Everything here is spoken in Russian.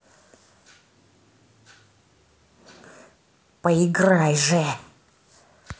проиграй же